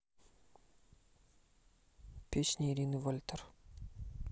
песни ирины вальтер